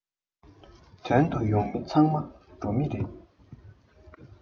དོན དུ ཡོང མི ཚང མ འགྲོ མི རེད